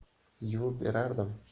yuvib berardim